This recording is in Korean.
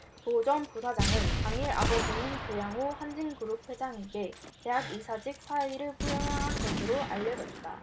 조 전 부사장은 당일 아버지인 조양호 한진그룹 회장에게 대학 이사직 사의를 표명한 것으로 알려졌다